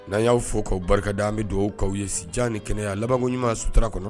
N'an y'aw fo k'aw barika da an be duwawu k'aw ye si jan ni kɛnɛya labankoɲuman sutara kɔnɔ